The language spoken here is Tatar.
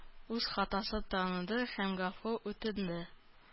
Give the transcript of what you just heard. Үз хатасын таныды һәм гафу үтенде.